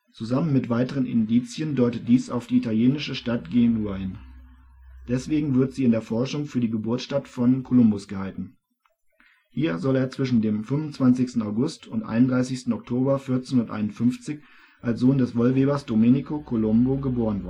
Zusammen mit weiteren Indizien deutet dies auf die italienische Stadt Genua hin. Deswegen wird sie in der Forschung für die Geburtsstadt von Kolumbus gehalten. Hier soll er zwischen dem 25. August und 31. Oktober 1451 als Sohn des Wollwebers Domenico Colombo geboren